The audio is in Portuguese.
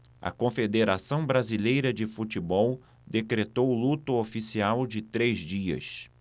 a confederação brasileira de futebol decretou luto oficial de três dias